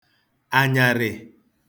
ànyàrị̀